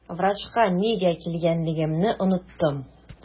Врачка нигә килгәнлегемне оныттым.